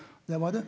det var det.